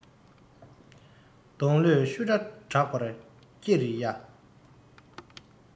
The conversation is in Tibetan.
སྡོང ལོས ཤུ སྒྲ བསྒྲགས པར སྐྱི རེ གཡའ